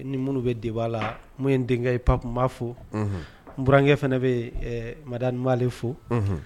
Ni minnu bɛ debt la ne denkɛ ye pap n b'a fɔ, n burankɛ fana bɛ yen, Madani n b'ale fo.